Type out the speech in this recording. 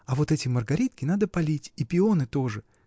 — А вот эти маргаритки надо полить, и пионы тоже!